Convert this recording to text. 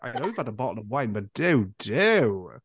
I know you've had a bottle of wine, but Duw, Duw!